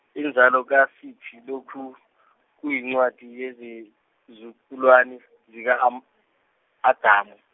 inzalo kaSeti Lokhu kuyincwadi yezizukulwane, zika Am- Adamu.